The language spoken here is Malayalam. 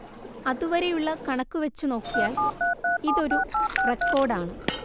അതുവരെയുള്ള കണക്കു വച്ചു നോക്കിയാൽ ഇതൊരു റെക്കോർഡാണ്